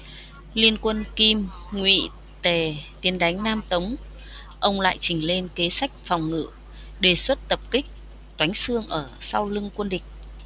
liên quân kim ngụy tề tiến đánh nam tống ông lại trình lên kế sách phòng ngự đề xuất tập kích toánh xương ở sau lưng quân địch